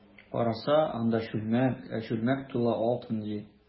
Караса, анда— чүлмәк, ә чүлмәк тулы алтын, ди.